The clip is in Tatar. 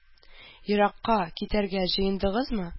Еракка китәргә җыендыгызмы?